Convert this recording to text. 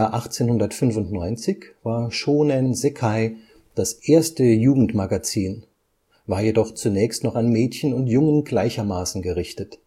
1895 war Shōnen Sekai das erste Jugendmagazin, war jedoch zunächst noch an Mädchen und Jungen gleichermaßen gerichtet